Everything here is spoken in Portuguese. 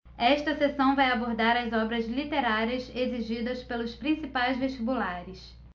esta seção vai abordar as obras literárias exigidas pelos principais vestibulares